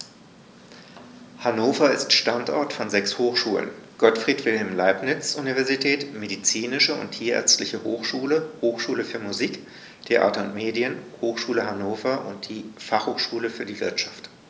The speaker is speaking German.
Hannover ist Standort von sechs Hochschulen: Gottfried Wilhelm Leibniz Universität, Medizinische und Tierärztliche Hochschule, Hochschule für Musik, Theater und Medien, Hochschule Hannover und die Fachhochschule für die Wirtschaft.